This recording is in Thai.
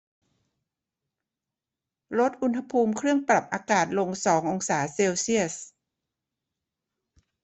ลดอุณหภูมิเครื่องปรับอากาศลงสององศาเซลเซียส